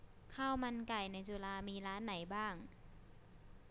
ข้าวมันไก่ในจุฬามีร้านไหนบ้าง